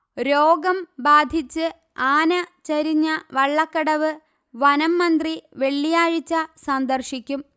രോഗം ബാധിച്ച് ആന ചരിഞ്ഞ വള്ളക്കടവ് വനം മന്ത്രി വെള്ളിയാഴ്ച സന്ദർശിക്കും